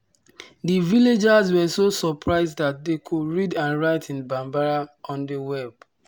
The villagers were so surprised that they could read and write in Bambara on the Web!